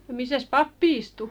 missäs pappi istui